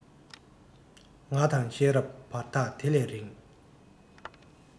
ང དང ཤེས རབ བར ཐག དེ ལས རིང